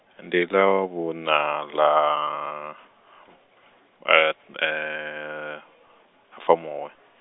ndi ḽa vhuna ḽa, Ṱhafamuhwe.